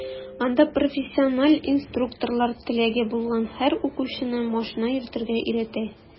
Анда профессиональ инструкторлар теләге булган һәр укучыны машина йөртергә өйрәтә.